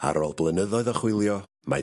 Ar ôl blynyddoedd o chwilio mae...